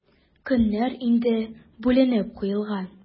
Көннәр инде бүленеп куелган.